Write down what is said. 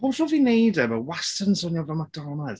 Bob tro dwi'n wneud e ma' wastad yn swnio fel McDonalds.